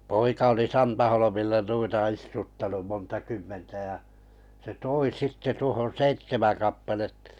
poika oli Santaholmilla noita istuttanut monta kymmentä ja se toi sitten tuohon seitsemän kappaletta